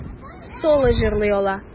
Соло җырлый ала.